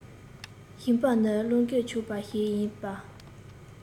ཞིང པ ནི བློས འགེལ ཆོག པ ཞིག ཡིན པ